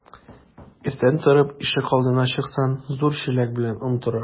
Иртән торып ишек алдына чыксак, зур чиләк белән он тора.